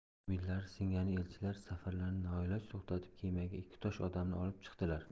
umidlari singan elchilar safarlarini noiloj to'xtatib kemaga ikki tosh odamni olib chiqdilar